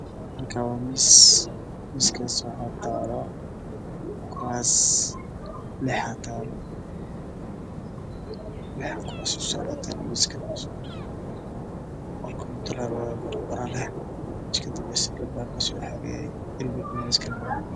Meeshaan waxa ka muuqdo bajaaj gaduud ah oo taagan laamiga waxa dhinaca midig ka jiro guri dabaq ah